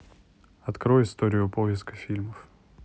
открой историю поиска фильмов